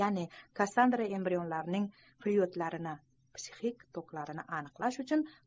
ya'ni kassandra embrionlarning flyuidlarini psixik toklarini aniqlash uchun